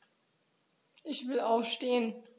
Ich will aufstehen.